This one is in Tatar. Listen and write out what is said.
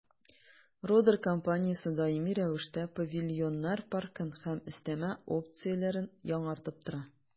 «родер» компаниясе даими рәвештә павильоннар паркын һәм өстәмә опцияләрен яңартып тора.